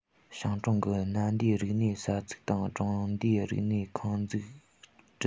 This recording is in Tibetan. ཞང གྲོང གི སྣ འདུས རིག གནས ས ཚིགས དང གྲོང སྡེའི རིག གནས ཁང འཛུགས སྐྲུན